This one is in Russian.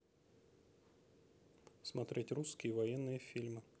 смотреть русские военные фильмы